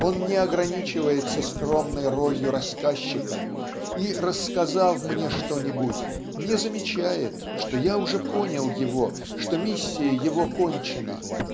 Он не ограничивается скромной ролью рассказчика и рассказав мне что-нибудь не замечает что я уже понял его что миссия его кончена